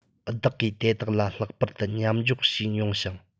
བདག གིས དེ དག ལ ལྷག པར ཏུ མཉམ འཇོག བྱས མྱོང ཞིང